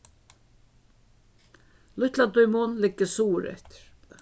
lítla dímun liggur suðureftir